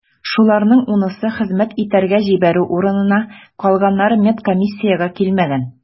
Шуларның унысы хезмәт итәргә җибәрү урынына, калганнары медкомиссиягә килмәгән.